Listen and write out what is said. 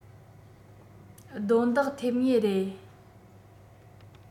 རྡུང རྡེག ཐེབས ངེས རེད